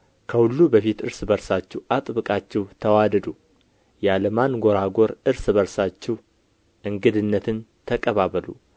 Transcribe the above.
ከሁሉ በፊት እርስ በርሳችሁ አጥብቃችሁ ተዋደዱ ያለ ማንጐራጐር እርስ በርሳችሁ እንግድነትን ተቀባበሉ